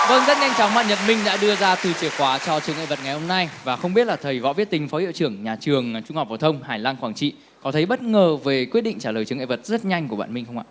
vâng rất nhanh chóng bạn nhật minh đã đưa ra từ chìa khóa cho chướng ngại vật ngày hôm nay và không biết là thầy võ viết tĩnh phó hiệu trưởng nhà trường trung học phổ thông hải lăng quảng trị có thấy bất ngờ về quyết định trả lời chướng ngại vật rất nhanh của bạn minh không ạ